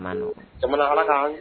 Man don jamana ala kan